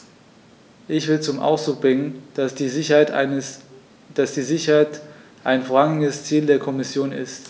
Ich will zum Ausdruck bringen, dass die Sicherheit ein vorrangiges Ziel der Kommission ist.